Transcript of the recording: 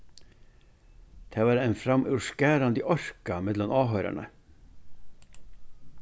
tað var ein framúrskarandi orka millum áhoyrararnar